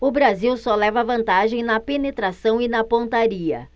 o brasil só leva vantagem na penetração e na pontaria